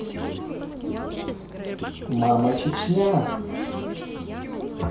мама чечня